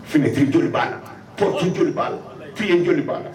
F joli b'a pt joli b'a fiin joli b'a